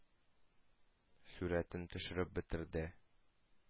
Сурәтен төшереп бетерде...